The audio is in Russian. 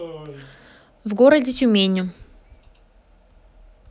в городе тюмени